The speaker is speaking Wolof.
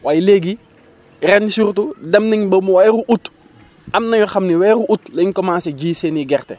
waaye léegiren surtout dem nañ ba weeru août am na ñoo xam ne weeru août la ñu commencé ji seen i gerte